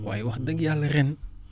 waaye wax dëgg yàlla ren